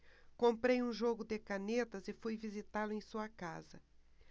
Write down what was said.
comprei um jogo de canetas e fui visitá-lo em sua casa